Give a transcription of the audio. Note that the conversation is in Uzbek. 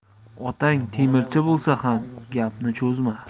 otang temirchi bo'lsa ham gapni cho'zma